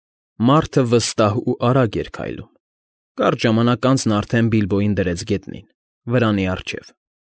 Մարդը վստահ ու արագ էր քայլում։ Կարճ ժամանակ անց նա արդեն Բիլբոյին դրեց գետնին, վրանի առջև։